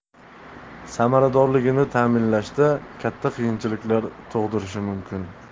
samaradorligini ta'minlashda katta qiyinchiliklar tug'dirishi mumkin